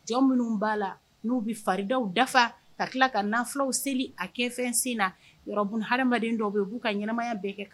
Jɔn minnu b'a la n'u bɛ faririnda u dafa ka tila ka nafw seli a kɛfɛn sen na yɔrɔbu hadamaden dɔw bɛ u b'u ka ɲɛnamaya bɛɛ kɛ kan